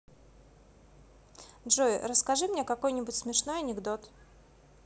джой расскажи мне какой нибудь смешной анекдот